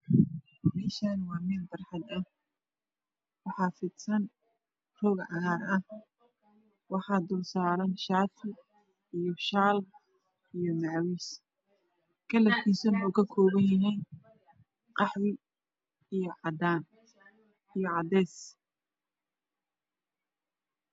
Meeshaani waa meel barxad ah waxaa fidsan roog cagaar ah waxaana dul saaran shaati shaal iyo macwiis karrarkiisana uu ka kooban yahay khahwe iyo cadaan iyo cadeys ah